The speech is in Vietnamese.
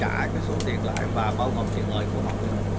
trả số tiền lại và bao gồm tiện lời của họ nữa